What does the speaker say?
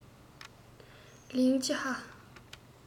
ལིང ཅི ཧྭ